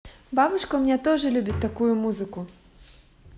бабушка у меня тоже любит такую музыку